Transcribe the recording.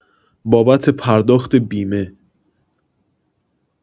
بابت پرداخت بیمه